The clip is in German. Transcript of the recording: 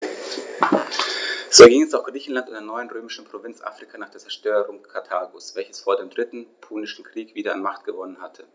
So erging es auch Griechenland und der neuen römischen Provinz Afrika nach der Zerstörung Karthagos, welches vor dem Dritten Punischen Krieg wieder an Macht gewonnen hatte.